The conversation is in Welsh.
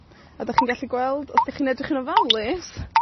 A 'dach chi'n gallu gweld, os 'dych chi'n edrych yn ofalus,